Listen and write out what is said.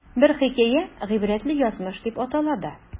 Бер хикәя "Гыйбрәтле язмыш" дип атала да.